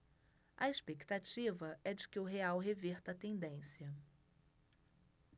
a expectativa é de que o real reverta a tendência